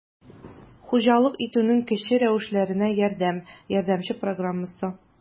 «хуҗалык итүнең кече рәвешләренә ярдәм» ярдәмче программасы